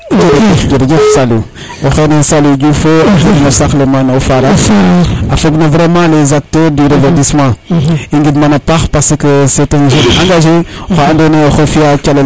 jerejef Saliou o xene Saliou Diouf no saax le mana o Faral a fog vraiment les acteur du reverdissement yam i ngid mana paax parce que c 'un jeune engagé oxa ando naye oxey fiya calel